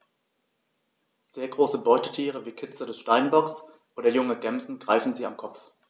Sehr große Beutetiere wie Kitze des Steinbocks oder junge Gämsen greifen sie am Kopf.